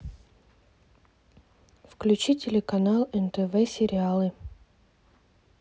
включи телеканал нтв сериалы